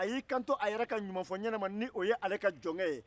a y'i kanto a yɛrɛ ka ɲumanfɔ-n-ɲena ma ni o ye ale ka jɔnkɛ ye